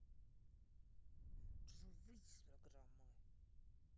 джой выйди из программы